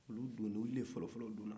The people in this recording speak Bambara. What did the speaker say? olu donna olu de fɔlɔ-fɔlɔ donna